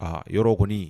Aa yɔrɔ kɔni